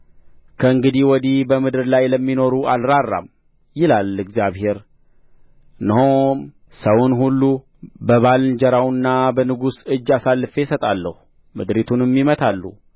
ከእንግዲህ ወዲህ በምድር ላይ ለሚኖሩ አልራራም ይላል እግዚአብሔር እነሆም ሰውን ሁሉ በባልንጀራውና በንጉሡ እጅ አሳልፌ እሰጣለሁ ምድሪቱንም ይመታሉ